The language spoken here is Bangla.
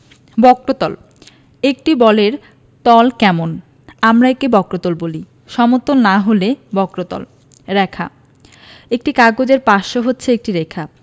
বক্রতলঃ একটি বলের তল কেমন আমরা একে বক্রতল বলি সমতল না হলে বক্রতল রেখাঃ একটি কাগজের পার্শ্ব হচ্ছে একটি রেখা